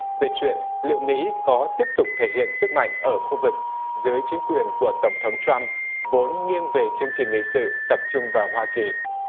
về chuyện liệu mỹ có tiếp tục thể hiện sức mạnh ở khu vực dưới chính quyền của tổng thống troăm vốn nghiêng về chương trình nghị sự tập trung vào hoa kỳ